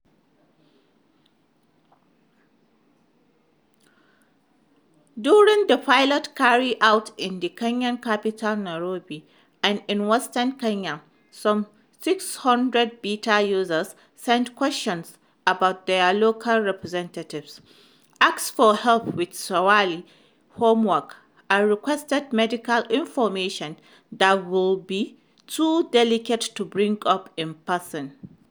During the pilot carried out in the Kenyan capital Nairobi and in Western Kenya, some 600 beta users sent questions about their local representatives, asked for help with Swahili homework, and requested medical information that would be too delicate to bring up in person.